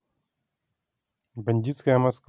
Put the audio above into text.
бандитская москва